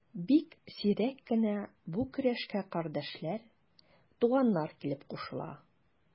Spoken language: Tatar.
Бик сирәк кенә бу көрәшкә кардәшләр, туганнар килеп кушыла.